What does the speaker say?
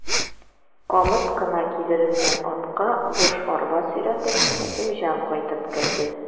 Камыт кына кидерелгән атка буш арба сөйрәтеп, Хәкимҗан кайтып керде.